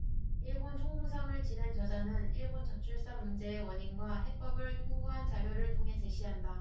일본 총무상을 지낸 저자는 일본 저출산 문제의 원인과 해법을 풍부한 자료를 통해 제시한다